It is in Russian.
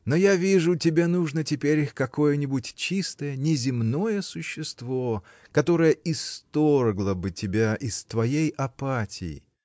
Но я вижу, тебе нужно теперь какое-нибудь чистое, неземное существо, которое исторгло бы тебя из твоей апатии.